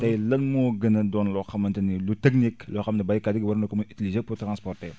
tey lan moo gën a doon loo xamante ni lu technique loo xam ne baykat yi war na ko mun utiliser pour transporter